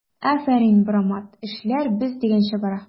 Афәрин, брамат, эшләр без дигәнчә бара!